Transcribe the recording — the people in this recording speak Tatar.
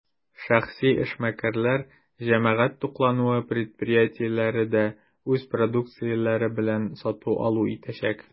Шәхси эшмәкәрләр, җәмәгать туклануы предприятиеләре дә үз продукцияләре белән сату-алу итәчәк.